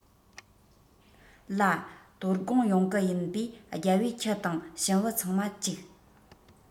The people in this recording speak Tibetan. ལྰ དོ དགོང རང ཡོང གི ཡིན པས རྒྱལ པོས ཁྱི དང ཞུམ བུ ཚང མ བཅུག